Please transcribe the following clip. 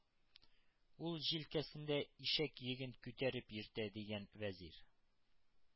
Ул җилкәсендә ишәк йөген күтәреп йөртә,— дигән вәзир.